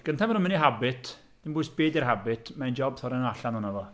Y cyntaf maen nhw'n mynd i habit. Dim bwys beth ydy'r habit. Mae'n job torri nhw allan ohono fo.